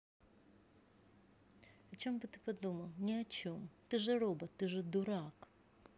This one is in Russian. о чем бы ты подумал ни о чем ты же робот ты же дурак